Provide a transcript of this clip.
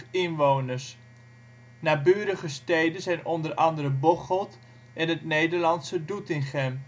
inwoners. Naburige steden zijn onder andere Bocholt en het Nederlandse Doetinchem